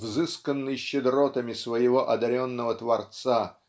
взысканный щедротами своего одаренного творца